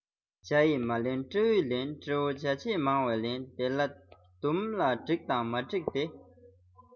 བྱ ཡི མ ལན སྤྲེའུས ལན སྤྲེའུ བྱ བྱེད མང བས ལན ད སྡུམ ལ འགྲིག དང མ འགྲིག དེ